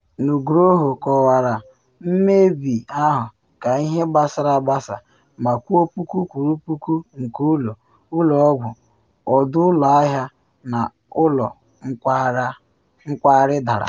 Nugroho kọwara mmebi ahụ ka “ihe gbasara agbasa” ma kwuo puku kwụrụ puku nke ụlọ, ụlọ ọgwụ, ọdụ ụlọ ahịa na ụlọ nkwari dara.